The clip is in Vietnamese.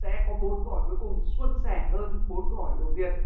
sẽ có bốn câu hỏi cuối cùng suôn sẻ hơn bốn câu hỏi đầu tiên